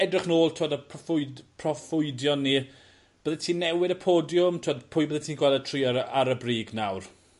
...edrych nôl t'wod ar proffwyd- proffwydion ni. Byddet ti'n newid y podiwm t'wod pwy byddet ti'n gweld y tri ar y ar y brig nawr?